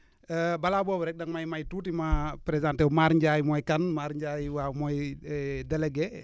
balaa booba rek da nga may may tuuti ma présenter wu Mar Ndiaye mooy kan Mar Ndiaye waaw mooy délégué